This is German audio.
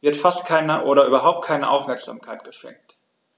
wird fast keine oder überhaupt keine Aufmerksamkeit geschenkt.